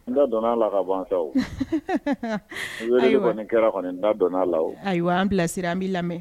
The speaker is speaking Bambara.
N da dɔn a la ka kɛra n da dɔn la ayiwa an bilasira an bɛ lamɛn